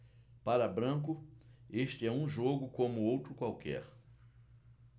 para branco este é um jogo como outro qualquer